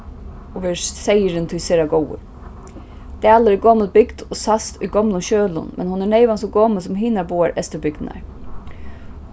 og verður seyðurin tí sera góður dalur er gomul bygd og sæst í gomlum skjølum men hon er neyvan so gomul sum hinar báðar eysturbygdirnar